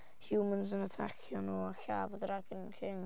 Humans yn atacio nhw a lladd y dragon king.